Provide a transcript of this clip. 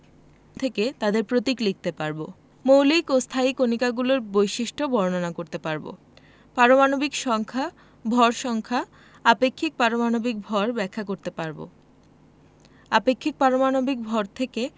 থেকে তাদের প্রতীক লিখতে পারব মৌলিক ও স্থায়ী কণিকাগুলোর বৈশিষ্ট্য বর্ণনা করতে পারব পারমাণবিক সংখ্যা ভর সংখ্যা আপেক্ষিক পারমাণবিক ভর ব্যাখ্যা করতে পারব আপেক্ষিক পারমাণবিক ভর থেকে